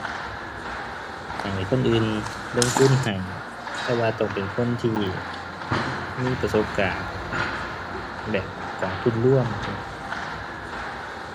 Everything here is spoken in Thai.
ให้คนอื่นลงทุนให้ แต่ว่าต้องเป็นคนที่มีประสบการณ์ แบบกองทุนรวมจั่งซี้